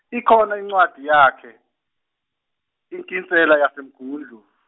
ikhona incwadi yakhe, Inkinsela yaseMgungundlovu.